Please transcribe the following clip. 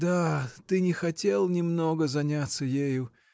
— Да, ты не хотел немного заняться ею.